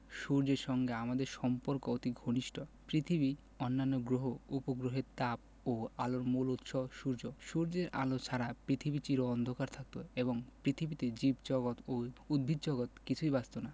সূর্যের সঙ্গে আমাদের সম্পর্ক অতি ঘনিষ্ট পৃথিবী অন্যান্য গ্রহ উপগ্রহের তাপ ও আলোর মূল উৎস সূর্য সূর্যের আলো ছাড়া পৃথিবী চির অন্ধকার থাকত এবং পৃথিবীতে জীবজগত ও উদ্ভিদজগৎ কিছুই বাঁচত না